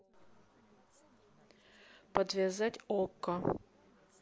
подвязать okko